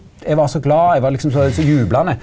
eg var så glad eg var liksom så så jublande.